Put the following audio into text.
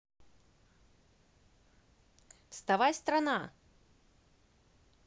вставай страна